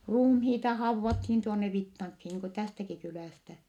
ruumiita haudattiin tuonne Vittankiin niin kuin tästäkin kylästä